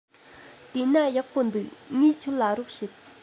དེ ན ཡག པོ འདུག ངས ཁྱོད ལ རོགས བྱེད